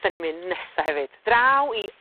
...'dan ni'n mynd nesa hefyd draw i...